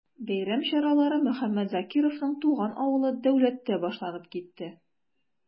Бәйрәм чаралары Мөхәммәт Закировның туган авылы Дәүләттә башланып китте.